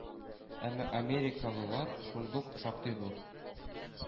Әмма америкалылар шундук шактый зур